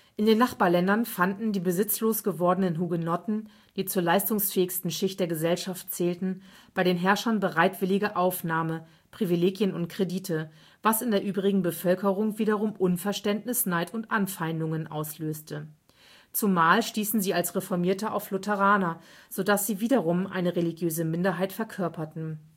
In den Nachbarländern fanden die besitzlos gewordenen Hugenotten, die zur leistungsfähigsten Schicht der Gesellschaft zählten, bei den Herrschern bereitwillige Aufnahme, Privilegien und Kredite, was in der übrigen Bevölkerung wiederum Unverständnis, Neid und Anfeindungen auslöste. Zumal stießen sie als Reformierte auf Lutheraner, so dass sie wiederum eine religiöse Minderheit verkörperten